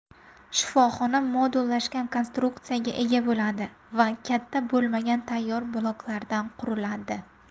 shifoxona modullashgan konstruksiyaga ega bo'ladi va katta bo'lmagan tayyor bloklardan quriladi